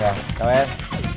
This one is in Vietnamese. à chào em